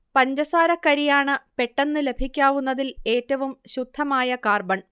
പഞ്ചസാരക്കരിയാണ് പെട്ടെന്ന് ലഭിക്കാവുന്നതിൽ ഏറ്റവും ശുദ്ധമായ കാർബൺ